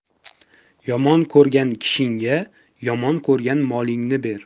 yomon ko'rgan kishingga yomon ko'rgan molingni ber